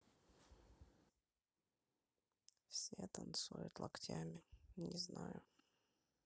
все танцуют локтями не знаю